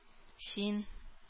Син